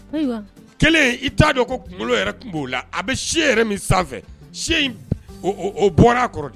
Kelen i t'a dɔn ko kunkolo tun b'o la a bɛ se yɛrɛ min sanfɛ o bɔra kɔrɔ